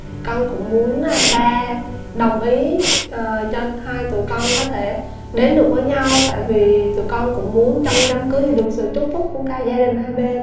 con cũng muốn ba đồng ý cho hai tụi con có thể đến được với nhau tại vì tụi con cũng muốn trong cái đám cưới thì được sự chúc phúc của cả gia đình hai bên